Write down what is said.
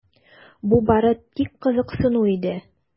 Бу бары тик кызыксыну иде.